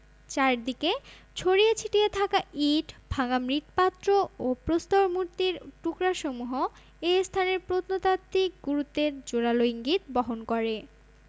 চারদিকে ছড়িয়ে ছিটিয়ে থাকা ইট ভাঙা মৃৎপাত্র ও প্রস্তর মূর্তির টুকরাসমূহ এ স্থানের প্রত্নতাত্ত্বিক গুরুত্বের জোরাল ইঙ্গিত বহন করে